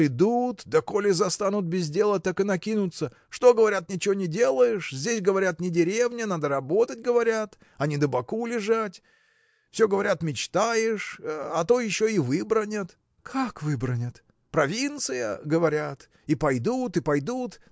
придут, да коли застанут без дела, так и накинутся. Что, говорят, ничего не делаешь? Здесь говорят не деревня надо работать говорят а не на боку лежать! Все, говорят, мечтаешь! А то еще и выбранят. – Как выбранят? – Провинция. говорят. и пойдут, и пойдут.